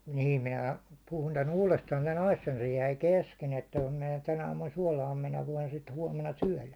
niin minä puhun tämän uudestaan tämän asian se jäi kesken että kun minä tänä aamuna suolaan minä voin sitten huomenna syödä